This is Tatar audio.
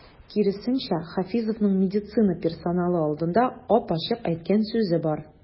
Киресенчә, Хафизовның медицина персоналы алдында ап-ачык әйткән сүзе бар.